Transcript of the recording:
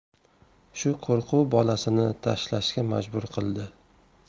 shu qo'rquv bolasini tashlashga majbur qildi